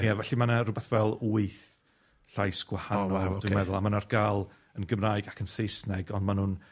Ie, felly ma' 'na rwbath fel wyth llais gwahanol, dwi'n meddwl, a ma' nw ar ga'l yn Gymraeg ac yn Saesneg, on' ma' nw'n